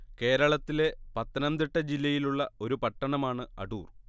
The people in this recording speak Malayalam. കേരള ത്തിലെ പത്തനംതിട്ട ജില്ലയിലുള്ള ഒരു പട്ടണമാണ് അടൂർ